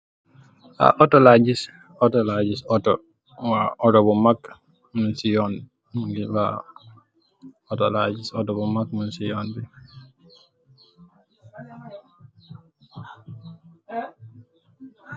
Otto la gis, Otto bu mag munci yon bi .